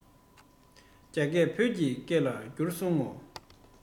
རྒྱ ཤོག དཀར པོའི སེམས ལ གསལ ཡོང ངོ